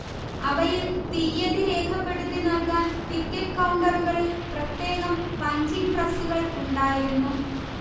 അവയിൽ തിയ്യതി രേഖപ്പെടുത്തി നൽകാൻ ടിക്കറ്റ് കൗണ്ടറുകളിൽ പ്രത്യേകം പഞ്ചിങ് പ്രസ്സുകൾ ഉണ്ടായിരുന്നു